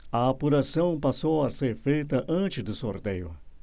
a apuração passou a ser feita antes do sorteio